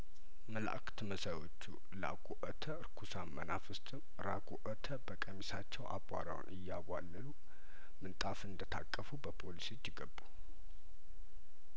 መላእክት መሳዮ ቹ ላቁኦተ ርኩሳን መናፍስትም ራቁኦ ተበቀሚሳቸው አቧራውን እያቧ ለሉምንጣፍ እንደታቀፉ በፖሊስ እጅ ገቡ